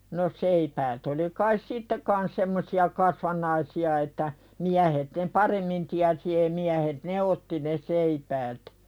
no seipäät oli kai sitten kanssa semmoisia kasvannaisia että miehet ne paremmin tiesi ei miehet ne otti ne seipäät